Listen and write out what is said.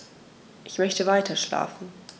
Ich möchte weiterschlafen.